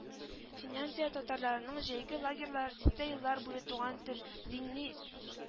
Финляндия татарларының җәйге лагерьлары дистә еллар буе туган тел, динни